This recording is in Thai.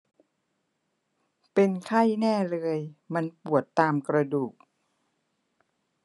เป็นไข้แน่เลยมันปวดตามกระดูก